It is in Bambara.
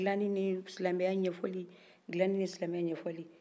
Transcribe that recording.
dilanin ni silamɛya ɲɛfoli dilani nin silamɛya ɲɛfoli